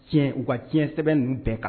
Ciyɛ u ka ciyɛ sɛbɛn nunnu bɛɛ ka